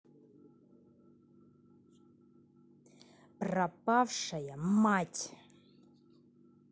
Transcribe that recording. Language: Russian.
пропавшая мать